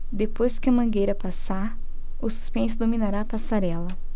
depois que a mangueira passar o suspense dominará a passarela